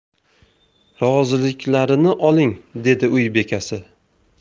roziliklarini oling dedi uy bekasi